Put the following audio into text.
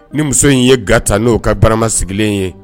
Ni muso in ye ga ta n'o ka barama sigilen ye